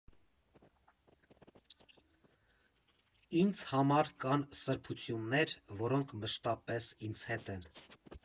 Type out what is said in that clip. ֊ Ինձ համար կան սրբություններ, որոնք մշտապես ինձ հետ են։